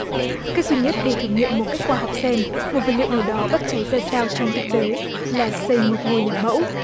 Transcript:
cách duy nhất để thử nghiệm một cách khoa học xem một vật liệu nào đó bắt cháy ra sao trong thực tế là xây một ngôi nhà mẫu